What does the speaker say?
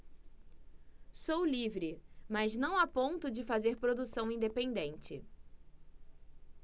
sou livre mas não a ponto de fazer produção independente